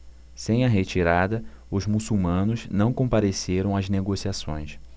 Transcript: sem a retirada os muçulmanos não compareceram às negociações